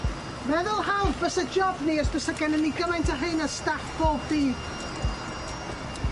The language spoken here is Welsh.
Meddwl hawdd bysa job ni os bysa gennyn ni gymaint â hein ar staff bob dydd.